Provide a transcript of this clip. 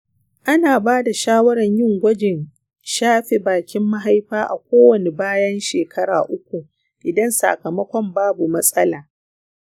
ana bada shawaran yin gwajin shafe bakin mahaifa a kowani bayan shekara uku idan sakamakon babu matsala.